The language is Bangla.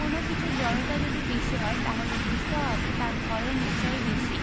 কোনো কিছুর জড়তা যদি বেশি হয় তাহলে বুঝতে হবে তার ভরও নিশ্চয়ই বেশি